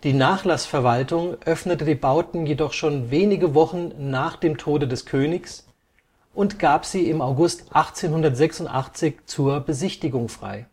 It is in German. Nachlassverwaltung öffnete die Bauten jedoch schon wenige Wochen nach dem Tode des Königs und gab sie im August 1886 zur Besichtigung frei